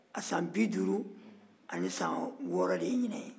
a san bi duuru ni san wɔɔrɔ de ye ɲinan ya